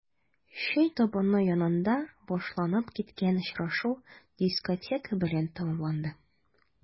Чәй табыны янында башланып киткән очрашу дискотека белән тәмамланды.